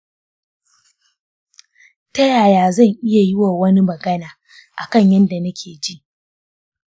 ta yaya zan iya yi wa wani magana a kan yadda nake ji?